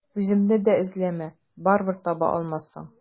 Үземне дә эзләмә, барыбер таба алмассың.